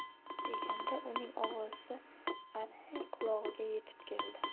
deganda uning ovozi arang qulog'iga yetib keldi